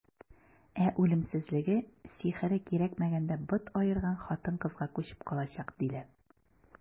Ә үлемсезлеге, сихере кирәкмәгәндә бот аерган кыз-хатынга күчеп калачак, диләр.